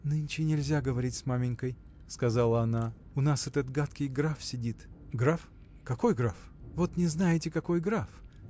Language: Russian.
– Нынче нельзя говорить с маменькой – сказала она – у нас этот гадкий граф сидит! – Граф! какой граф? – Вот не знаете, какой граф!